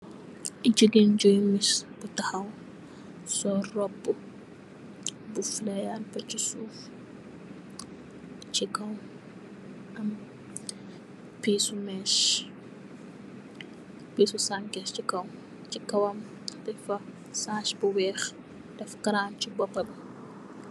Jigéen taxaw, sol robbu bu feleya bacci suuf, ci kow, am piisu mees, pissu sanke si kowam, tek fa ass bu weex, def kalaa ci boopa bi.